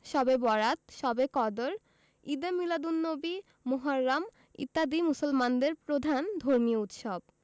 শবে বরআত শবে কদর ঈদে মীলাদুননবী মুহররম ইত্যাদি মুসলমানদের প্রধান ধর্মীয় উৎসব